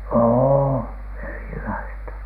on erilaista